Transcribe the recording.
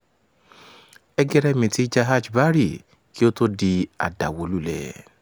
Ẹgẹrẹmìtì “Jahaj Bari” kí ó tó di àdàwólulẹ̀.